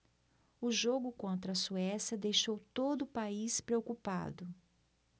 o jogo contra a suécia deixou todo o país preocupado